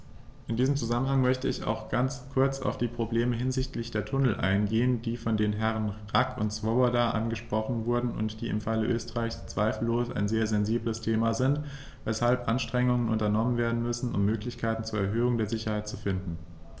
In diesem Zusammenhang möchte ich auch ganz kurz auf die Probleme hinsichtlich der Tunnel eingehen, die von den Herren Rack und Swoboda angesprochen wurden und die im Falle Österreichs zweifellos ein sehr sensibles Thema sind, weshalb Anstrengungen unternommen werden müssen, um Möglichkeiten zur Erhöhung der Sicherheit zu finden.